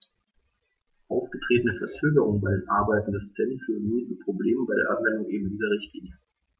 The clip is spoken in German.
Aufgetretene Verzögerungen bei den Arbeiten des CEN führen nun zu Problemen bei der Anwendung eben dieser Richtlinie.